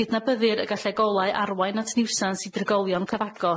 Cydnabyddir y gallau golau arwain at niwsans i drigolion cyfagos